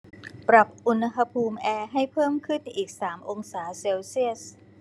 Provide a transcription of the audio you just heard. ปรับอุณหภูมิแอร์ให้เพิ่มขึ้นอีกสามองศาเซลเซียส